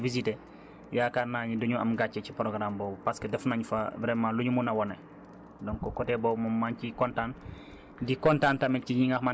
te am nañu yaakaar ne insàllaa ci alxames bi nit ñiy ñëwee pour visiter yaakaar naa ni du ñu am gànce ci programme boobu parce que def nañ fa vraiment lu ñu mën a wane